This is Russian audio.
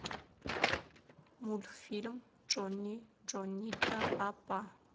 мультфильм джонни джонни да папа